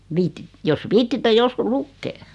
- jos viitsitte joskus lukea